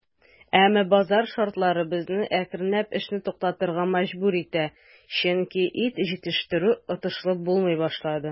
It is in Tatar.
Әмма базар шартлары безне акрынлап эшне туктатырга мәҗбүр итә, чөнки ит җитештерү отышлы булмый башлады.